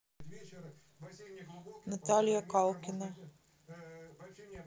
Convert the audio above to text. наталья калкина